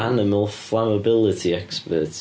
Animal flammability experts.